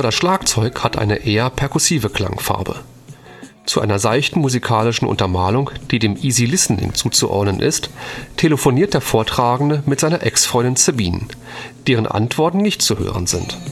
Schlagzeug hat eine eher perkussive Klangfarbe. Zu einer seichten musikalischen Untermalung, die dem Easy Listening zuzuordnen ist, telefoniert der Vortragende mit seiner Ex-Freundin Sabine, deren Antworten nicht zu hören sind